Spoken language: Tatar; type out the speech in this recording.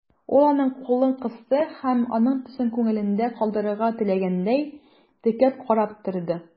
Ул аның кулын кысты һәм, аның төсен күңелендә калдырырга теләгәндәй, текәп карап торды.